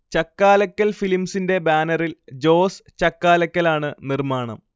ചക്കാലക്കൽ ഫിലിമ്സിൻെറ ബാനറിൽ ജോസ് ചക്കാലക്കലാണ് നിർമ്മാണം